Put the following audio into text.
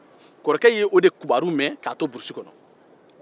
kɔrɔkɛ ye o de kibaru mɛn k'a to burusi kɔnɔ